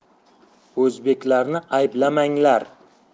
o'zbeklarni ayblamanglar